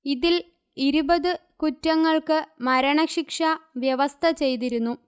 ഇതിൽ ഇരുപത് കുറ്റങ്ങൾക്ക് മരണശിക്ഷ വ്യവസ്ഥ ചെയ്തിരുന്നു